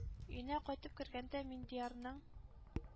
Өенә кайтып кергәндә Миндиярның